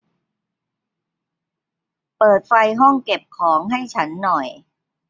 เปิดไฟห้องเก็บของให้ฉันหน่อย